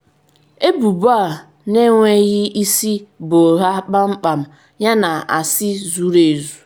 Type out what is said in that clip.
Ebubo a n’enweghị isi bụ ụgha kpamkpam yana asị zuru ezu.”